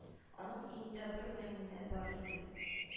Аның өендә бер мәймүне бар иде